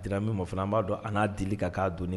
Dira min ma fɔ fana an b'a dɔn a n'a deli ka k'a don